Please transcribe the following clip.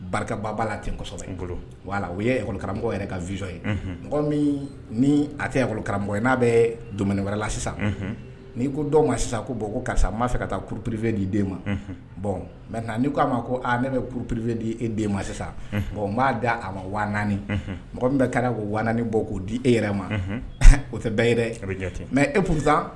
Barikaba' la tensɔ wala u ye yɛrɛ ka vz ye mɔgɔ min ni a tɛkɔmɔgɔ ye n'a bɛ don wɛrɛ la sisan n'i ko dɔn ma sisan ko bɔn ko karisa m maa fɛ ka taappife di den ma bɔn mɛ ni k'a ma ko aaa ne bɛ kuruppife di e den ma sisan bon o m b'a di a ma w mɔgɔ min bɛ kɛra ko w bɔ k'o di e yɛrɛ ma o tɛ bɛɛ yɛrɛ bɛ mɛ e p fisa